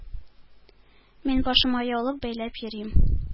Мин башыма яулык бәйләп йөрим.